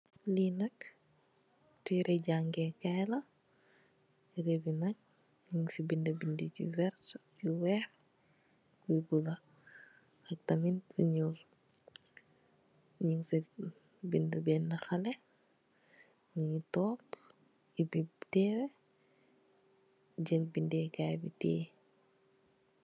Li nak teereh jangeekaay la, tereh bi nak nung ci bindi, bindi yu vert, yu weeh, yu bulo ak tamit yu ñuul. Nung ci bindi benn haley mu ngi toog ubi tereh jël bindaykay bi teh.